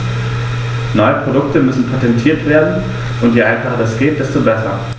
Neue Produkte müssen patentiert werden, und je einfacher das geht, desto besser.